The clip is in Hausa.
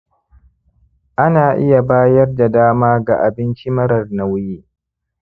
ana iya bayar da dama ga abinci marar-nauyi